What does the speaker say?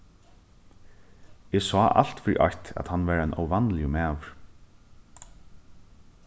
eg sá alt fyri eitt at hann var ein óvanligur maður